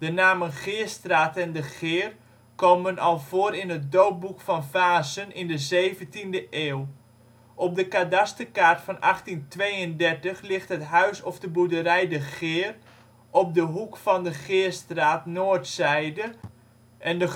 namen Geerstraat en de Geer komen al voor in het doopboek van Vaassen in de 17de eeuw. Op de kadasterkaart van 1832 ligt het huis of de boerderij de Geer op de hoek van de Geerstraat noordzijde en de